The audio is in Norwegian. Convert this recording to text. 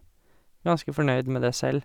Ganske fornøyd med det selv.